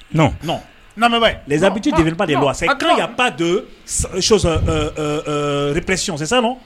Non non n lamɛn bani, les habitudes ne font pas des c'est quand y - a pas de choses ee repression c'es ç ça non ?